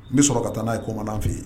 N bɛ sɔrɔ ka taa n'a ye koman' f yen